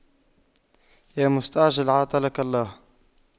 يا مستعجل عطلك الله